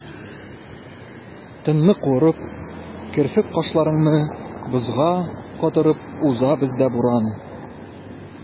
Тынны куырып, керфек-кашларыңны бозга катырып уза бездә буран.